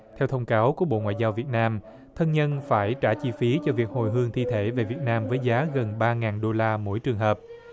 theo thông cáo của bộ ngoại giao việt nam thân nhân phải trả chi phí cho việc hồi hương thi thể về việt nam với giá gần ba ngàn đô la mỗi trường hợp